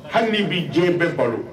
Hali ni diɲɛ bɛɛ balo